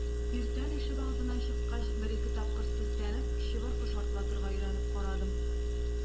Иртән ишегалдына чыккач, бер-ике тапкыр селтәнеп, чыбыркы шартлатырга өйрәнеп карадым.